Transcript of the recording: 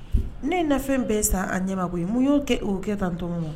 Ne na fɛn bɛ san an ɲɛ ye mu'' kɛ tan tɔnɔ ma